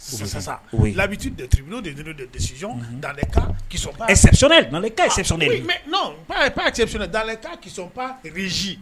Labibi de de desiz